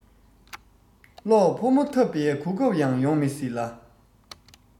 གློག ཕོ མོ འཐབས པའི གོ སྐབས ཡོང མི སྲིད ལ